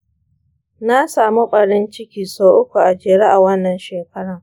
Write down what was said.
na samu ɓarin ciki sau uku a jere a wannan shekaran.